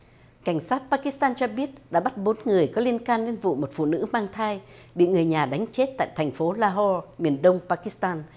cảnh sát pa kít tan cho biết đã bắt bốn người có liên can đến vụ một phụ nữ mang thai bị người nhà đánh chết tại thành phố la ho miền đông pa kít tan